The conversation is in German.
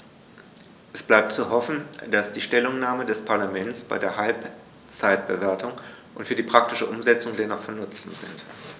Es bleibt zu hoffen, dass die Stellungnahmen des Parlaments bei der Halbzeitbewertung und für die praktische Umsetzung dennoch von Nutzen sind.